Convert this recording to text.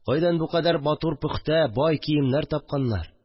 Кайдан бу кадәр матур, пөхтә, бай киемнәр тапканнар